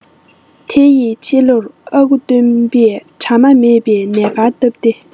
དེ ཡི ཕྱི ལོར ཨ ཁུ སྟོན པས གྲ མ མེད པའི ནས དཀར བཏབ སྟེ